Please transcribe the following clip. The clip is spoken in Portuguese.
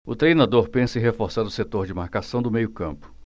o treinador pensa em reforçar o setor de marcação do meio campo